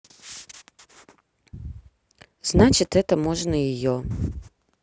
значит это можно ее